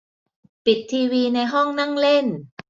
ปิดทีวีในห้องนั่งเล่น